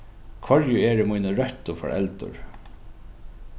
hvørji eru míni røttu foreldur